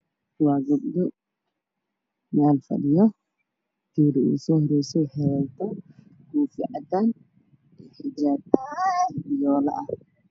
waa gabdho meel fadhiyo gabadha usoo horeysana ay xiran tahay koofi cadaan ah iyo xijaab jaale ah